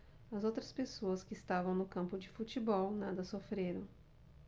as outras pessoas que estavam no campo de futebol nada sofreram